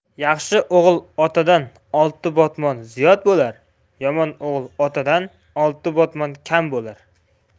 yaxshi o'g'il otadan olti botmon ziyod bo'lar yomon o'g'il otadan olti botmon kam bo'lar